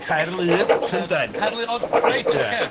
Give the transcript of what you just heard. Caer Ludd, Llundain... Caer Ludd, reit, ocê.